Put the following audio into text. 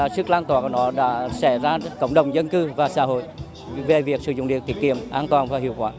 sức lan tỏa của nó đã sẽ ra cộng đồng dân cư và xã hội về việc sử dụng điện tiết kiệm an toàn và hiệu quả